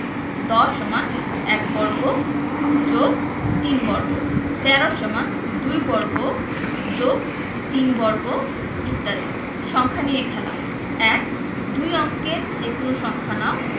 ১০ = ১ বর্গ + ৩ বর্গ ১৩ = ২ বর্গ + ৩ বর্গ ইত্যাদি সংখ্যা নিয়ে খেলা ১ দুই অঙ্কের যেকোনো সংখ্যা নাও